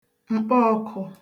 m̀kpọọ̄kụ̄